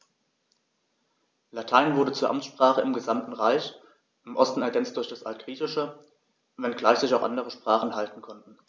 Latein wurde zur Amtssprache im gesamten Reich (im Osten ergänzt durch das Altgriechische), wenngleich sich auch andere Sprachen halten konnten.